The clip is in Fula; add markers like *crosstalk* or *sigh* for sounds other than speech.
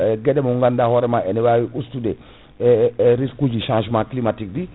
e gueɗe mo ganduɗa hoorema ene wawi ustude *hesitation* risque ji changement climatique ɗi